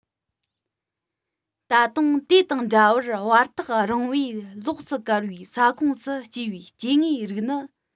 ད དུང དེ དང འདྲ བར བར ཐག རིང བོས ལོགས སུ བཀར བའི ས ཁོངས སུ སྐྱེས པའི སྐྱེ དངོས རིགས ནི